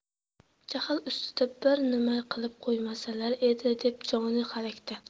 jahl ustida bir nima qilib qo'ymasalar edi deb joni halakda